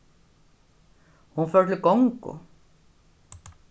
hon fór til gongu